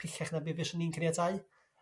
pellach na be' fyswn i'n caniatáu.